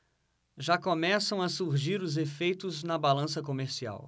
já começam a surgir os efeitos na balança comercial